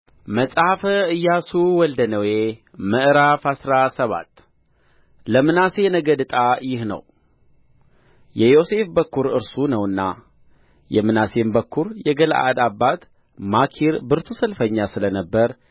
መጽሐፈ ኢያሱ ወልደ ነዌ ምዕራፍ አስራ ሰባት ለምናሴ ነገድ ዕጣ ይህ ነው የዮሴፍ በኵር እርሱ ነውና የምናሴም በኵር የገለዓድ አባት ማኪር ብርቱ ሰልፈኛ ስለ ነበረ